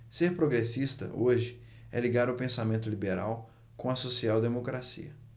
ser progressista hoje é ligar o pensamento liberal com a social democracia